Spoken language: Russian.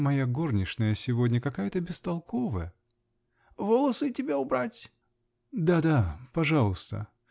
Моя горничная сегодня какая-то бестолковая. -- Волосы тебе убрать? -- Да, да, пожалуйста.